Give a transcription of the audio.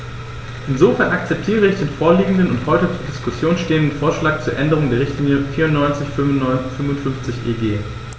Insofern akzeptiere ich den vorliegenden und heute zur Diskussion stehenden Vorschlag zur Änderung der Richtlinie 94/55/EG.